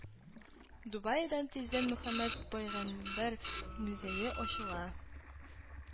Дубаида тиздән Мөхәммәд пәйгамбәр музее ачыла